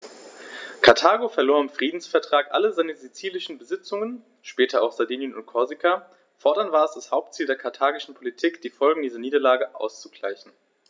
Karthago verlor im Friedensvertrag alle seine sizilischen Besitzungen (später auch Sardinien und Korsika); fortan war es das Hauptziel der karthagischen Politik, die Folgen dieser Niederlage auszugleichen.